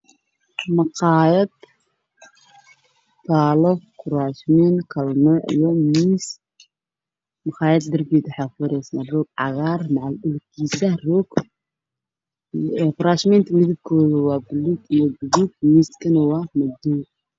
Waa dhul roog ah waxaa yaalo koransiyo